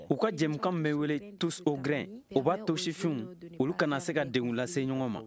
u ka jɛmukan bɛ wele tous au grɛn o b'a to sifinw olu kana se ka denw lase ɲɔgɔn ma